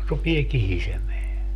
rupeaa kihisemään